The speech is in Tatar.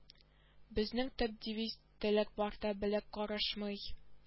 Безнең төп девиз теләк барда беләк карышмый